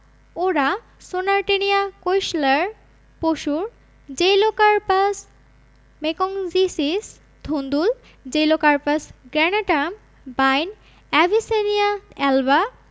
ওড়া সোনারনেটিয়া কৈশলার পশুর জেইলোকার্পাস মেকংঞ্জিসিস ধুন্দুল জেইলোকার্পাস গ্রান্যাটাম বাইন এভিসেনিয়া অ্যালবা